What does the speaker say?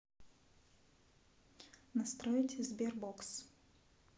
настроить sberbox